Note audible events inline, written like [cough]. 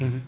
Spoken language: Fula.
[hesitation] [hesitation]